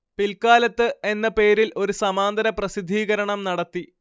പിൽക്കാലത്ത് എന്ന പേരിൽ ഒരു സമാന്തര പ്രസിദ്ധീകരണം നടത്തി